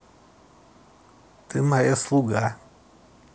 ты моя слуга